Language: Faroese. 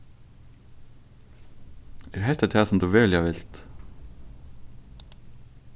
er hetta tað sum tú veruliga vilt